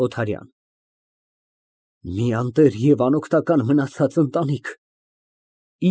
ՕԹԱՐՅԱՆ ֊ Մի անտեր և անօգնական մնացած ընտանիք։